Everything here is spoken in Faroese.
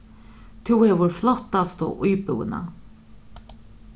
tú hevur flottastu íbúðina